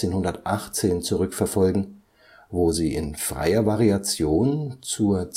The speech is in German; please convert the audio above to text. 1518 zurückverfolgen, wo sie in freier Variation zur